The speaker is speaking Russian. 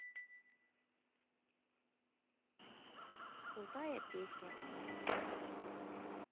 крутая песня